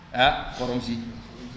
ah xorom si